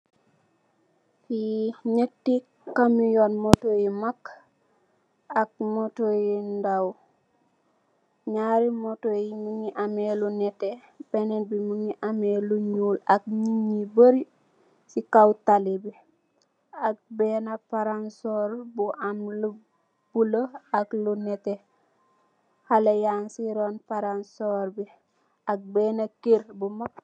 Fii ñatti kabiyóng motto yu mag ak motto yu ndaw. Ñaari moto yi ñu ngi amee lu nétte, bénen bi mu ngi am lu ñuul ak nit ñu bëri ñung si kow tali bi, ak beenë palasoor bu am lu buloo ak lu nétté, xalé yaang si roon palasoor bi, ak beenë kër.